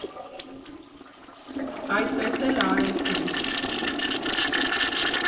Այդպես էլ արեցին.